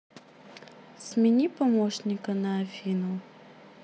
смени помощника на афину